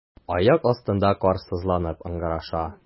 Аяк астында кар сызланып ыңгыраша.